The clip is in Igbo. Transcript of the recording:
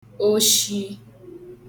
oshi